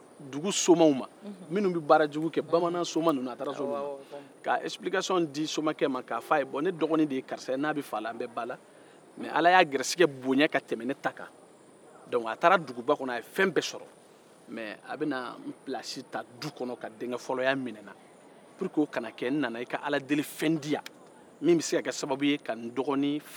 ka esipilikasiyɔn di somake k'a fɔ a ye ne dɔgɔnin de ya karisa an bɛ ba la an be fa la mɛ ala y'a garijɛgɛ bonya ka tɛmɛ ne ta kan dɔnku a taara duguba kɔnɔ a ye fɛn bɛɛ sɔrɔ mɛ a bɛna n pilasi ta du kɔnɔ ka denkɛfɔlɔya minɛ n na n nana i ka aladelifɛn di n ma min bɛ se ka n dɔgɔnin faga walima k'a kunnagoya